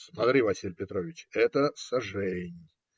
- Смотри, Василий Петрович, - это сажень.